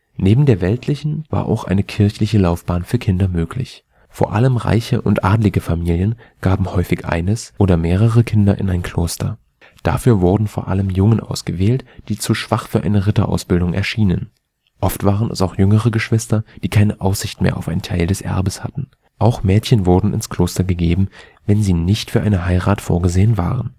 Neben der weltlichen war auch eine kirchliche Laufbahn für Kinder möglich. Vor allem reiche und adlige Familien gaben häufig eines oder mehrere ihrer Kinder in ein Kloster. Dafür wurden vor allem Jungen ausgewählt, die zu schwach für eine Ritterausbildung erschienen. Oft waren es auch jüngere Geschwister, die keine Aussicht mehr auf einen Teil des Erbes hatten. Auch Mädchen wurden ins Kloster gegeben, wenn sie nicht für eine Heirat vorgesehen waren